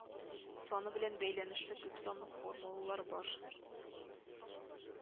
Саны белән бәйләнешле күпсанлы формулалар бар